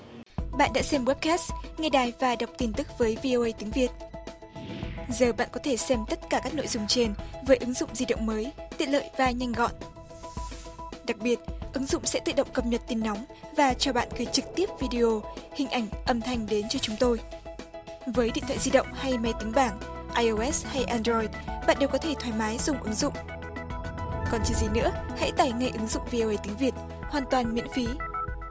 bạn đã xem quép cát nghe đài và được tin tức với vi ô ây tiếng việt giờ bạn có thể xem tất cả các nội dung trên với ứng dụng di động mới tiện lợi và nhanh gọn đặc biệt ứng dụng sẽ tự động cập nhật tin nóng và chờ bạn thì trực tiếp vi đi ô hình ảnh âm thanh đến cho chúng tôi với điện thoại di động hay máy tính bảng ai ô ét hay an roi bạn đều có thể thoải mái dùng ứng dụng còn chờ gì nữa hãy tải ngay ứng dụng vi ô ây tiếng việt hoàn toàn miễn phí